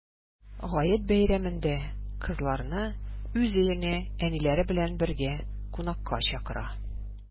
Гает бәйрәмендә кызларны уз өенә әниләре белән бергә кунакка чакыра.